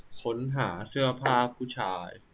ค้นหาเสื้อผ้าผู้ชาย